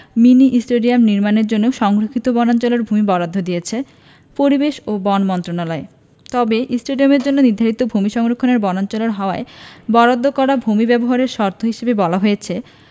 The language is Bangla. জায়গা মিনি স্টেডিয়াম নির্মাণের জন্য সংরক্ষিত বনাঞ্চলের ভূমি বরাদ্দ দিয়েছে পরিবেশ ও বন মন্ত্রণালয় তবে স্টেডিয়ামের জন্য নির্ধারিত ভূমি সংরক্ষিত বনাঞ্চলের হওয়ায় বরাদ্দ করা ভূমি ব্যবহারের শর্ত হিসেবে বলা হয়েছে